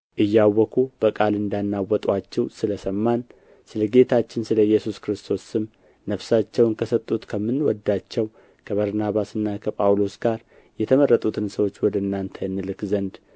እያወኩ በቃል እንዳናወጡአችሁ ስለ ሰማን ስለ ጌታችን ስለ ኢየሱስ ክርስቶስ ስም ነፍሳቸውን ከሰጡት ከምንወዳቸው ከበርናባስና ከጳውሎስ ጋር የተመረጡትን ሰዎች ወደ እናንተ እንልክ ዘንድ